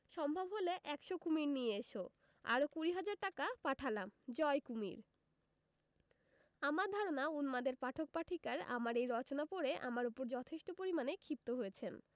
সম্ভব হলে একশ কুমীর নিয়ে এসো আরো কুড়ি হাজার টাকা পাঠালাম জয় কুমীর আমার ধারণা উন্মাদের পাঠক পাঠিকার আমার এই রচনা পড়ে আমার উপর যথেষ্ট পরিমাণে ক্ষিপ্ত হয়েছেন